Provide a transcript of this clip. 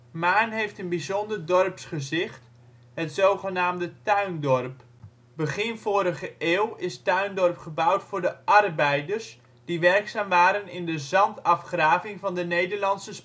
Maarn heeft een bijzonder dorpsgezicht, het zogenaamde ' Tuindorp ', Begin vorige eeuw is Tuindorp gebouwd voor de arbeiders, die werkzaam waren in de zandafgraving van de Nederlandse